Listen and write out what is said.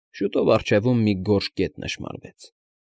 Շուտով առջևում մի գորշ կետ նշմարվեց։